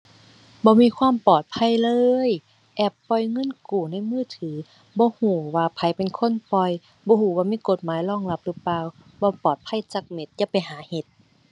บ่มีความปลอดภัยเลย แอปปล่อยเงินกู้ในมือถือ บ่รู้ว่าไผเป็นคนปล่อย บ่รู้ว่ามีกฎหมายรองรับหรือเปล่า บ่ปลอดภัยจักเม็ด อย่าไปหาเฮ็ด